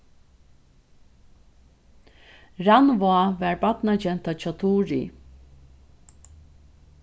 rannvá var barnagenta hjá turið